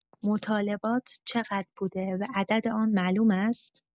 مطالبات چقدر بوده و عدد آن معلوم است؟